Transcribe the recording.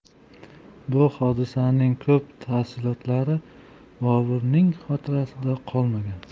bu hodisaning ko'p tafsilotlari boburning xotirasida qolmagan